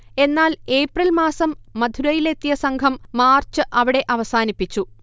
എന്നാൽ, ഏപ്രിൽ മാസം മഥുരയിലെത്തിയ സംഘം മാർച്ച് അവിടെ അവസാനിപ്പിച്ചു